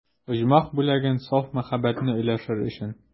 Оҗмах бүләген, саф мәхәббәтне өләшер өчен.